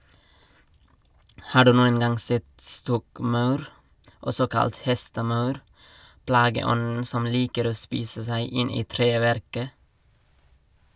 Har du noen gang sett stokkmaur, også kalt hestemaur, plageånden som liker å spise seg inn i treverket?